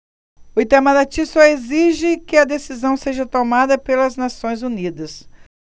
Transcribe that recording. o itamaraty só exige que a decisão seja tomada pelas nações unidas